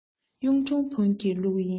གཡུང དྲུང བོན གྱི ལུགས ཡིན